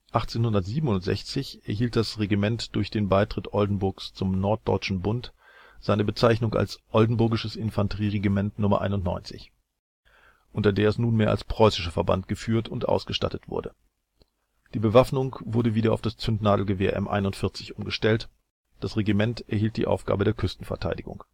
1867 erhielt das Regiment durch den Beitritt Oldenburgs zum Norddeutschen Bund seine Bezeichnung als " Oldenburgisches Infanterie-Regiment No. 91 ", unter der es nunmehr als preußischer Verband geführt und ausgestattet wurde. Die Bewaffnung wurde wieder auf das Zündnadelgewehr M/41 umgestellt. Das Regiment erhielt die Aufgabe der Küstenverteidigung